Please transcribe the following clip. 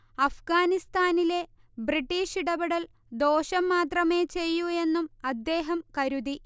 അഫ്ഗാനിസ്താനിലെ British ഇടപെടൽ ദോഷം മാത്രമേ ചെയ്യൂ എന്നും അദ്ദേഹം കരുതി